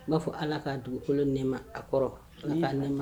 N k'a fɔ Ala ka dugukolo nɛma a kɔrɔ Ala k'a nɛma